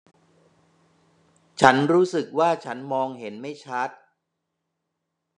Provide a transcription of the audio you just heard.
ฉันรู้สึกว่าฉันมองเห็นไม่ชัด